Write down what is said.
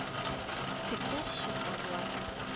Тегеләр чыкмадылар